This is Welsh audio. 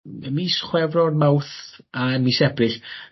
m- ym mis Chwefror Mawrth a yn mis Ebrill